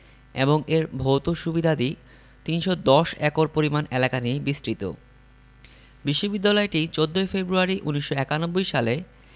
এবং এর ভৌত সুবিধাদি ৩১০ একর পরিমাণ এলাকা নিয়ে বিস্তৃত বিশ্ববিদ্যালয়টি ১৪ই ফেব্রুয়ারি ১৯৯১ সালে